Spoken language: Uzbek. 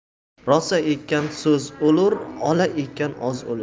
rosa ekkan soz olur ola ekkan oz olur